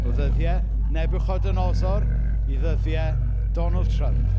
O ddyddiau Nebiwchodynosor, i ddyddiau Donald Trump.